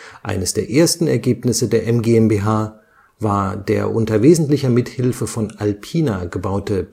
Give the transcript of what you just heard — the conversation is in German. Eines der ersten Ergebnisse der M GmbH war der unter wesentlicher Mithilfe von Alpina gebaute